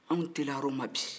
anw teliyara o ma bi